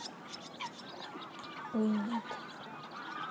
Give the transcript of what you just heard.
ой нет